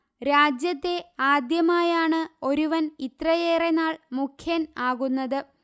രാജ്യത്ത ആദ്യമായാണ് ഒരുവൻഇത്രയേറെ നാൾ മുഖ്യൻആകുന്നത്